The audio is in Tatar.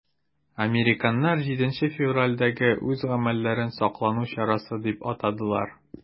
Американнар 7 февральдәге үз гамәлләрен саклану чарасы дип атадылар.